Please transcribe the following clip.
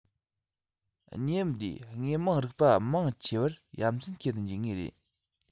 གནས བབ འདིས དངོས མང རིག པ བ མང ཆེ བར ཡ མཚན སྐྱེ རུ འཇུག ངེས རེད